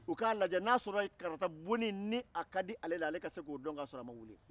u k'a lajɛ n'a sɔrɔla karata bonni ni a ka di ale la ale k'o dɔn kasɔrɔ a ma wuli